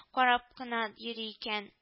Карап кына йөри икән